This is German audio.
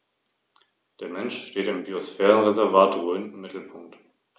Neben den drei staatlichen Verwaltungsstellen des Biosphärenreservates gibt es für jedes Bundesland einen privaten Trägerverein.